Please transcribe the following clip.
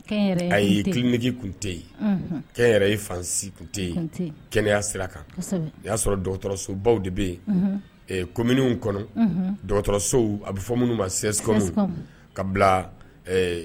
Kɛnyɛrɛye tun tɛ, ayi clinique tun tɛ yen, kɛnyɛrɛye fan si tun tɛ kɛnɛya sira kan, o y'a sɔrɔ dɔgɔtɔrɔsobaw de bɛ yen, unhun, kominiw kɔnɔ, unhun dɔgɔtɔrɔsow a bɛ fɔ minnu ma CSCOM ka bila ɛ